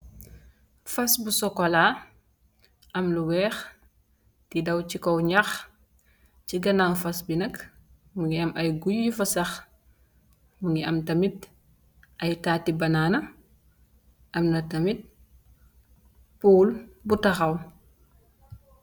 Fas bu sokola am lu wèèx, di daw ci kaw ñax. Ci ganaw fas bi nak mugii am ay guy yu fa sax, mugii am tamit ay taati banana am tamit pool bu taxaw.